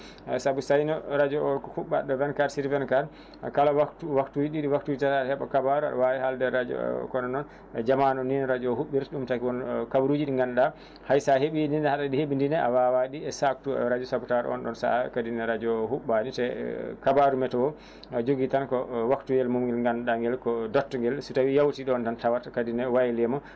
saabu so tawi radio o ko huɓɓaɗo 24H/24 kala waftu waftuji ɗiɗi waftuji tati aɗa heeɓa kabaru aɗa wawi haalde e radio kono noon jamanu ni no radio huɓɓirta ɗum taagi woon kabaruji ɗi gannduɗa haysa heeɓi ɗin aɗa heeɓidina a wawaɗi saktu radio saabu tawat on ɗon saaha kadi ne radio o huɓɓani kabaru météo a joogi tan ko ko waktu yel mum ngel gannduɗa ngel ko dattu ngel so tawi yawti ɗon tan tawat kadi ne wayle mum